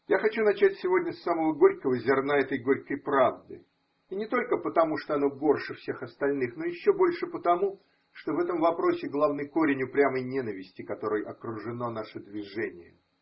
Я хочу начать сегодня с самого горького зерна этой горькой правды, и не только потому, что оно горше всех остальных, но еще больше потому, что в этом вопросе главный корень упрямой ненависти, которой окружено наше движение.